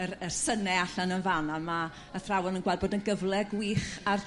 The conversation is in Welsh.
yr y syne allan yn fan 'na ma' athrawon yn gweld bod e'n gyfle gwych ar